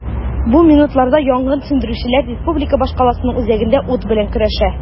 Бу минутларда янгын сүндерүчеләр республика башкаласының үзәгендә ут белән көрәшә.